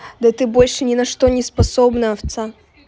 да ты больше ни на что не способна овца